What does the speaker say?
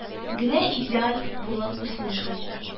Генә идеаль булып үсми шул